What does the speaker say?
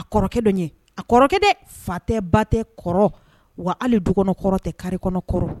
A kɔrɔkɛ dɔ ye a kɔrɔkɛ de fa tɛ ba tɛ kɔrɔ wa hall dukɔnɔkɔrɔ tɛ kare kɔnɔ kɔrɔkɛ